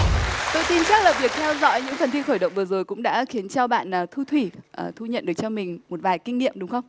tôi tin chắc là việc theo dõi những phần thi khởi động vừa rồi cũng đã khiến cho bạn là thu thủy thu nhận được cho mình một vài kinh nghiệm đúng không